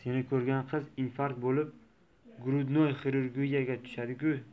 seni ko'rgan qiz infarkt bo'lib grudnoy xirurgiyaga tushadiku